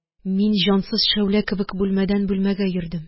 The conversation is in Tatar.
Мин җансыз шәүлә кебек бүлмәдән бүлмәгә йөрдем.